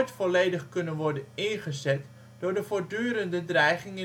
volledig kunnen worden ingezet door de voortdurende dreiging